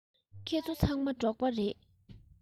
ཁྱེད ཚོ ཚང མ འབྲོག པ རེད